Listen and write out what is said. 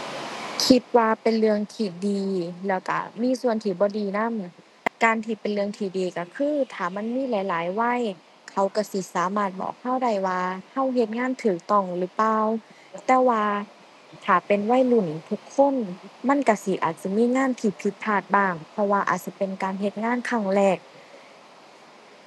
คิดว่าเป็นเรื่องที่ดีแล้วก็มีส่วนที่บ่ดีนำ การที่เป็นเรื่องที่ดีก็คือถ้ามันมีหลายหลายวัยเขาก็สิสามารถบอกก็ได้ว่า ก็เฮ็ดงานก็ต้องหรือเปล่า แต่ว่าถ้าเป็นวัยรุ่นทุกคนมันก็สิอาจจะมีงานที่ผิดพลาดบ้าง เพราะว่าอาจสิเป็นการเฮ็ดงานครั้งแรก